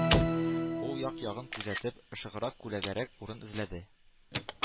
Ул як-ягын күзәтеп, ышыграк, күләгәрәк урын эзләде.